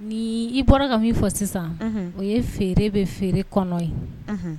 I bɔra ka min fɔ sisan o ye feere bɛ feere kɔnɔ ye